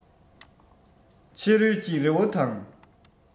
ཕྱི རོལ གྱི རི བོ དང